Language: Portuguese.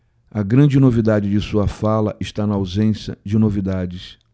a grande novidade de sua fala está na ausência de novidades